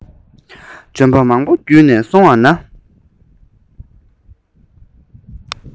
ལྗོན པ མང པོ བརྒྱུད ནས སོང བ ན